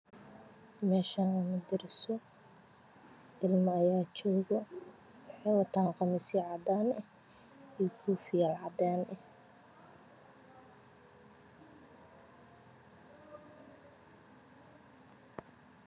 Meeshaan waa darso jooga qmiisyo cadaan koofiyo cadaan